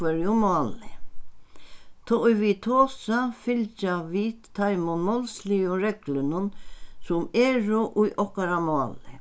hvørjum máli tá ið vit tosa fylgja vit teimum málsligu reglunum sum eru í okkara máli